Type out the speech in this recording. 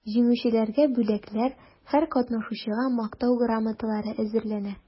Җиңүчеләргә бүләкләр, һәр катнашучыга мактау грамоталары әзерләнә.